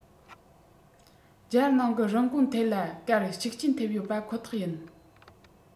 རྒྱལ ནང གི རིན གོང ཐད ལ ཀར ཤུགས རྐྱེན ཐེབས ཡོད པ ཁོ ཐག ཡིན